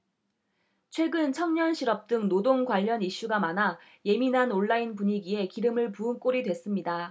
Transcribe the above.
최근 청년 실업 등 노동 관련 이슈가 많아 예민한 온라인 분위기에 기름을 부은 꼴이 됐습니다